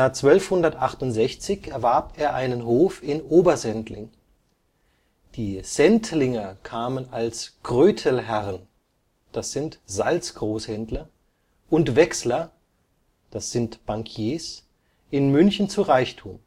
1268 erwarb er einen Hof in Obersendling. Die Sentlinger kamen als Krötelherren (Salzgroßhändler) und Wechsler (Bankiers) in München zu Reichtum